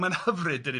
Ma'n hyfryd dydi.